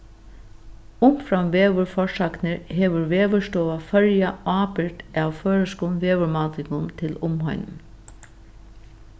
umframt veðurforsagnir hevur veðurstova føroya ábyrgd av føroyskum veðurmátingum til umheimin